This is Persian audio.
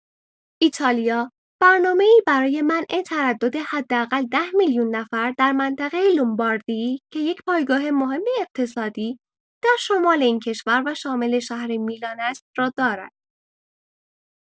ایتالیا برنامه‌ای برای منع تردد حداقل ۱۰ میلیون نفر در منطقه لومباردی که یک پایگاه مهم اقتصادی در شمال این کشور و شامل شهر میلان است را دارد.